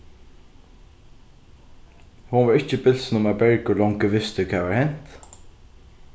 hon var ikki bilsin um at bergur longu visti hvat var hent